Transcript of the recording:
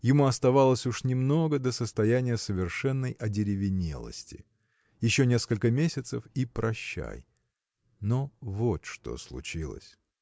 Ему оставалось уж немного до состояния совершенной одеревенелости. Еще несколько месяцев – и прощай! Но вот что случилось.